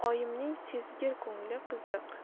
oyimning sezgir ko'ngli qiziq